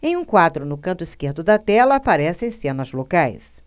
em um quadro no canto esquerdo da tela aparecem cenas locais